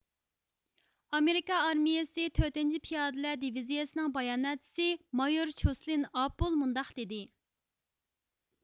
ئامېرىكا ئارمىيىسى تۆتىنچى پىيادىلەر دىۋىزىيىسىنىڭ باياناتچىسى مايور چوسلىن ئاپول مۇنداق دېدى